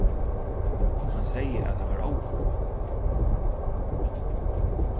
hann segði at hann var óður